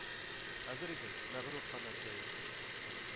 Әзер идем, мәгърур канат җәеп,